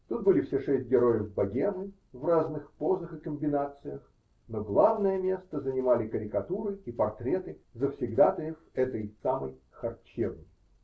Тут были все шесть героев "Богемы" в разных позах и комбинациях, но главное место занимали карикатуры и портреты завсегдатаев этой самой харчевни.